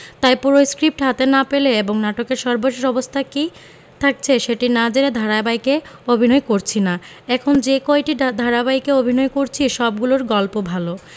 তাই পুরো স্ক্রিপ্ট হাতে না পেলে এবং নাটকের সর্বশেষ অবস্থা কী থাকছে সেটি না জেনে ধারাবাহিকে অভিনয় করছি না এখন যে কয়টি ধারাবাহিকে অভিনয় করছি সবগুলোর গল্প ভালো